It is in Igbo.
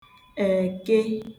Èke